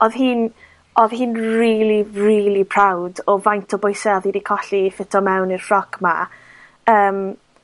odd hi'n, odd hi'n rili, rili proud o faint o bwyse odd 'i 'di colli i ffito mewn i'r ffroc ma', yym